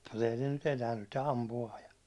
mutta ei ne nyt enää nyt ne ampuu ja